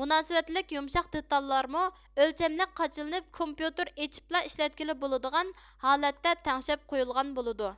مۇناسىۋەتلىك يۇمشاق دىتاللارمۇ ئۆلچەملىك قاچىلىنىپ كومپيۇتېر ئېچېپلا ئىشلەتكىلى بۇلىدىغان ھالەتتە تەڭشەپ قۇيۇلغان بۇلىدۇ